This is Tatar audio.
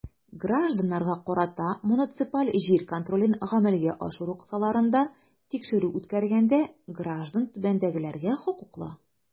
Гражданнарга карата муниципаль җир контролен гамәлгә ашыру кысаларында тикшерү үткәргәндә граждан түбәндәгеләргә хокуклы.